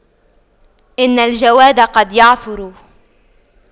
إن الجواد قد يعثر